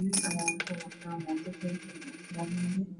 nin ayaa wuxuu wataa mooto fekon ay saaranyihiin